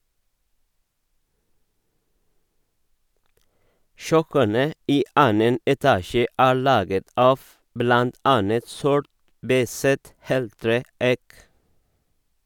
Kjøkkenet i annen etasje er laget av blant annet sort, beiset heltre eik.